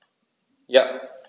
Ja.